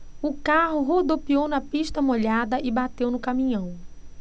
o carro rodopiou na pista molhada e bateu no caminhão